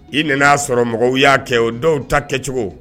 I nana'a sɔrɔ mɔgɔw y'a kɛ o dɔw ta kɛcogo